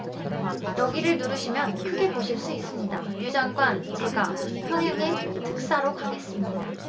여기를 누르시면 크게 보실 수 있습니다 류 장관 제가 평양에 특사로 가겠습니다